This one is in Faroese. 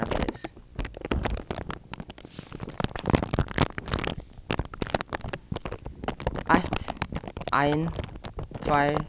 parantes eitt ein tveir